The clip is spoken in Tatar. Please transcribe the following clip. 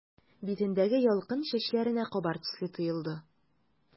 Битендәге ялкын чәчләренә кабар төсле тоелды.